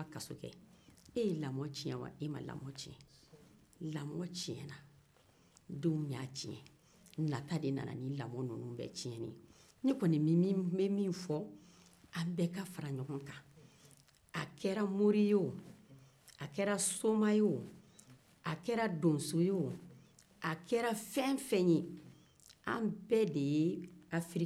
nata de nana ni lamɔ ninnuw bɛɛ tiɲɛni ye ne kɔni bɛ min fɔ an bɛɛ ka fara ɲɔgɔn kan a kɛra mori ye woo a kɛra soma ye woo a kɛra doso ye woo a kɛra fɛn o fɛn ye an bɛɛ de ye afiriki den ye